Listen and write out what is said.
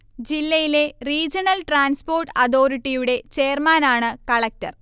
ജില്ലയിലെ regional transport അതോറിറ്റിയുടെ ചെയർമാനാണ് കളക്ടർ